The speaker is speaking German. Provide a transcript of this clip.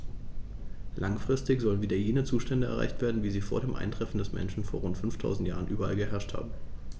Langfristig sollen wieder jene Zustände erreicht werden, wie sie vor dem Eintreffen des Menschen vor rund 5000 Jahren überall geherrscht haben.